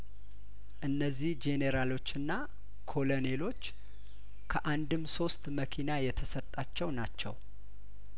እነዚህ ጄኔራሎችና ኮለኔሎች ከአንድም ሶስት መኪና የተሰጣቸው ናቸው